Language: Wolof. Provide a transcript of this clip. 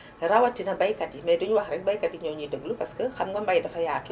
rawatina baykat yi mais duñu wax rek baykat yi ñoo ñuy déglu parce que xam nga mbay dafa yaatu